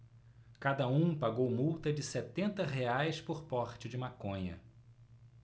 cada um pagou multa de setenta reais por porte de maconha